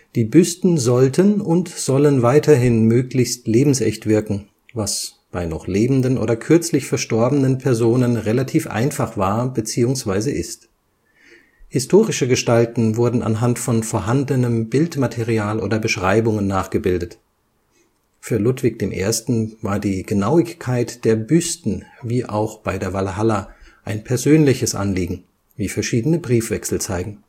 Die Büsten sollten und sollen weiterhin möglichst lebensecht wirken, was bei noch lebenden oder kürzlich verstorbenen Personen relativ einfach war beziehungsweise ist. Historische Gestalten wurden anhand von vorhandenem Bildmaterial oder Beschreibungen nachgebildet. Für Ludwig I. war die Genauigkeit der Büsten, wie auch bei der Walhalla, ein persönliches Anliegen, wie verschiedene Briefwechsel zeigen